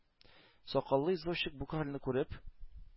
Сакаллы извозчик бу хәлне күреп,